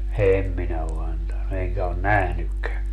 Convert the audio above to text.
en minä ole antanut enkä ole nähnytkään